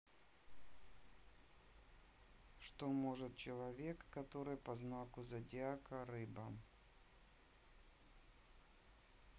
что может человек который по знаку зодиака рыба